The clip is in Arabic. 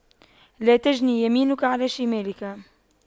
لا تجن يمينك على شمالك